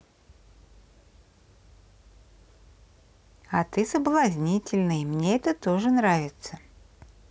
а ты соблазнительный мне это тоже нравится